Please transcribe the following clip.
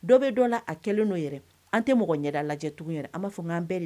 Dɔ bɛ dɔ la a kɛlen don yɛrɛn an tɛ mɔgɔ ɲɛda lajɛ tugun, an b'a fɔ k'an bɛɛ de.